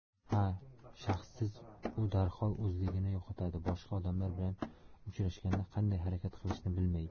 ha shaxssiz u darhol o'zligini yo'qotadi boshqa odamlar bilan uchrashganda qanday harakat qilishni bilmaydi